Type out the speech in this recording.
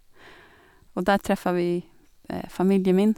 Og der traff vi familien min.